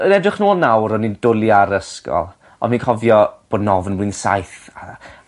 Yn edrych nôl nawr o'n i'n dwli ar ysgol on' fi'n cofio bo' yn ofon flwy'yn saith a